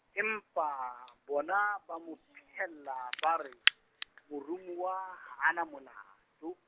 empa, bona, ba mo phehella ba re, moromuwa, ha a na molato.